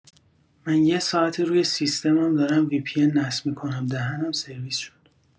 من یه ساعته روی سیستم دارم وی‌پی‌ان نصب می‌کنم دهنم سرویس شد.